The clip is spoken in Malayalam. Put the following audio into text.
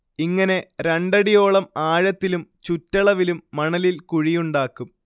ഇങ്ങനെ രണ്ടടിയോളം ആഴത്തിലും ചുറ്റളവിലും മണലിൽ കുഴിയുണ്ടാക്കും